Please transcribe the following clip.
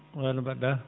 wa no mbaɗɗa